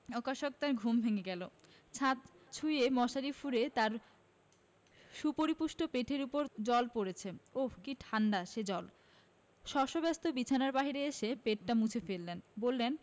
অকস্মাৎ তাঁর ঘুম ভেঙ্গে গেল ছাদ চুঁইয়ে মশারি ফুঁড়ে তাঁর সুপরিপুষ্ট পেটের উপর জল পড়চে উঃ কি ঠাণ্ডা সে জল শশব্যস্তে বিছানার বাইরে এসে পেটটা মুছে ফেললেন বললেন